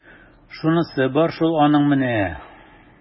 Шунысы бар шул аның менә! ..